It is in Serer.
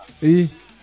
i